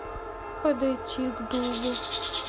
подойти к дубу